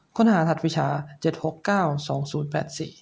ค้นหารหัสวิชาเจ็ดหกเก้าสองศูนย์แปดสี่